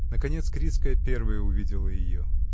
Наконец Крицкая первая увидела ее.